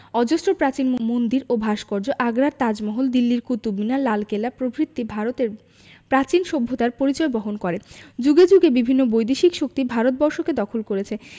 অজস্র প্রাচীন মন্দির ও ভাস্কর্য আগ্রার তাজমহল দিল্লির কুতুব মিনার লালকেল্লা প্রভৃতি ভারতের প্রাচীন সভ্যতার পরিচয় বহন করে যুগে যুগে বিভিন্ন বৈদেশিক শক্তি ভারতবর্ষকে দখল করেছে